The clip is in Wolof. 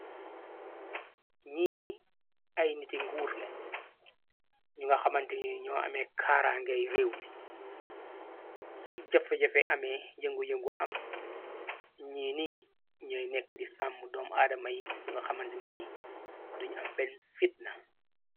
Ni ay niti nguur leen ñu nga xamantini ñoo amee kaara ngay réew mi suuj jafe-jafe amee yëngu-yëngu am ñi ni ñooy nekk di samm doom aadama yi ci bu nga xamantniyi duñu am benn fit na.